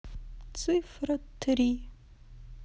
цифра три